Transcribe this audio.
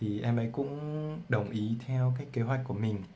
thì em ấy cũng đồng ý theo kế hoạch của mình